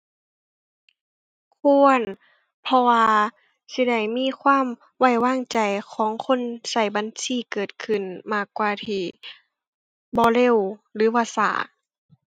ควร เพราะว่าสิได้มีความไว้วางใจของคนใช้บัญชีเกิดขึ้น มากกว่าที่บ่เร็วหรือว่าใช้